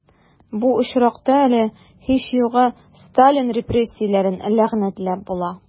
Бу очракта әле, һич югы, Сталин репрессияләрен ләгънәтләп була...